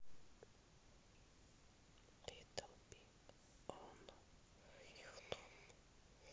литтл биг уно ютуб